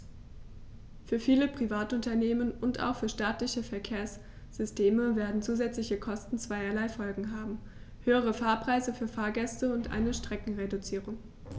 Für viele Privatunternehmen und auch für staatliche Verkehrssysteme werden zusätzliche Kosten zweierlei Folgen haben: höhere Fahrpreise für Fahrgäste und eine Streckenreduzierung.